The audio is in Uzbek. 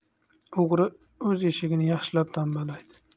o'g'ri o'z eshigini yaxshilab tambalaydi